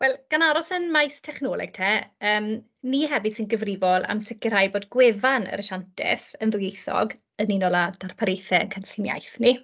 Wel, gan aros yn maes technoleg te, yym ni hefyd sy'n gyfrifol am sicrhau bod gwefan yr asiantaeth yn ddwyieithog yn unol â darpariaethau ein cynllun iaith ni.